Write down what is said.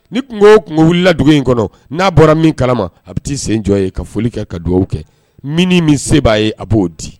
Ni kunko o kunko wili la dugu in kɔnɔ, n'a bɔra min kalama, a bɛ ta'a sen jɔ yen ka foli kɛ, ka dugawu kɛ min se b'a ye, a b'o di!